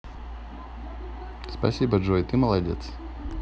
спасибо джой ты молодец